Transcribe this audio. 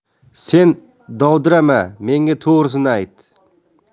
sen dovdirama menga to'g'risini ayt